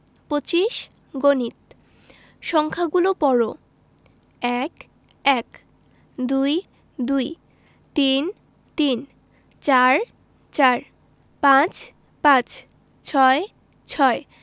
২৫ গণিত সংখ্যাগুলো পড়ঃ ১ এক ২ দুই ৩ তিন ৪ চার ৫ পাঁচ ৬ ছয়